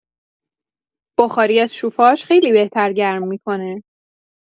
بخاری از شوفاژ خیلی بهتر گرم می‌کنه